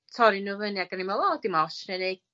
torri nw fynny ag o'n i'n me'wl o dim otsh newn ni